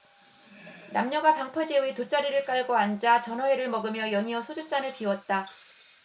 남녀가 방파제 위에 돗자리를 깔고 앉아 전어회를 먹으며 연이어 소주잔을 비웠다